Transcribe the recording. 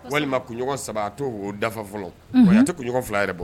Walima kunɲɔgɔn saba to'o dafa fɔlɔ watɛ tɛ kunɲɔgɔn fila yɛrɛ bɔ